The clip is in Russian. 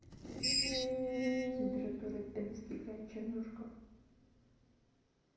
температура пермский край чернушка